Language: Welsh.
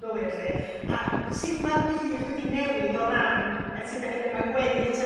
gywir 'llu a sud ma'r byd wedi newid o ran sud 'da ni'n ymagweddu tuag